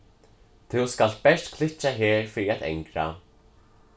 tú skalt bert klikkja her fyri at angra